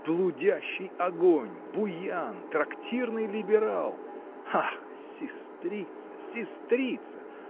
блудящий огонь, буян, трактирный либерал! Ах! сестрица, сестрица!